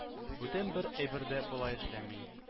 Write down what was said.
– бүтән бер әйбер дә болай эшләми